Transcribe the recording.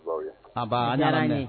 Baw ye .Abaa A diyara an ye.